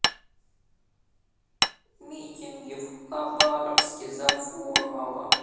митинги в хабаровске за фургала